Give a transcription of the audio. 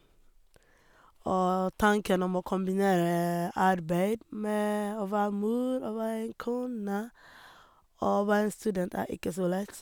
Og tanken om å kombinere arbeid med å være mor og være en kone og være en student, er ikke så lett.